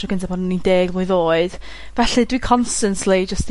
tro gynta pan o'n i'n deg mlwydd oed. Felly dwi constantly jyst 'di